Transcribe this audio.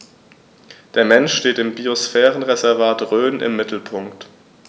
Der Mensch steht im Biosphärenreservat Rhön im Mittelpunkt.